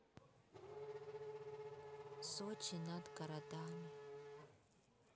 сочи над городами